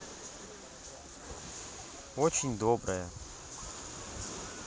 очень добрая